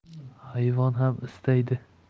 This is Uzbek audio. hayvon ham istaydi